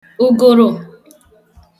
ụgụrụ̄